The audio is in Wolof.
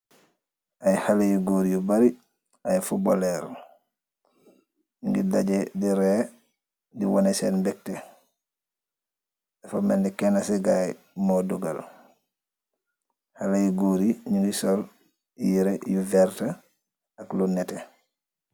Ay xalay goor yu bari ay fuboleer nyu gi daje di ree di wone seen bekte dafa melni kenn si gaay moo dogal xaley goor yi nungi sol yereh yu vert ak lu neteh.